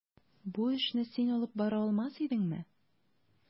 Бу эшне син алып бара алмас идеңме?